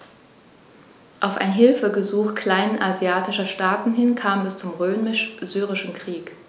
Auf ein Hilfegesuch kleinasiatischer Staaten hin kam es zum Römisch-Syrischen Krieg.